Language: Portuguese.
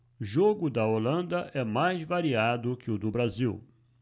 jogo da holanda é mais variado que o do brasil